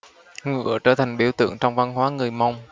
ngựa trở thành biểu tượng trong văn hóa người mông